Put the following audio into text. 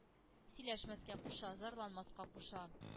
Сөйләшмәскә куша, зарланмаска куша,